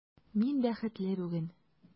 Мин бәхетле бүген!